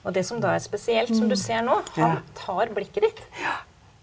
og det som da er spesielt som du ser nå, han tar blikket ditt.